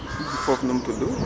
foofu nu mu tudd ?